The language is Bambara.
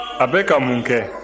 a bɛ ka mun kɛ